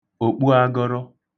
òkpuagọrọ